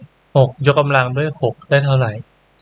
หกยกกำลังด้วยหกได้เท่าไหร่